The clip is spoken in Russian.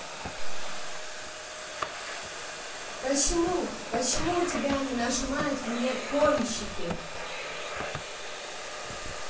почему почему у тебя они нажимают мне пончики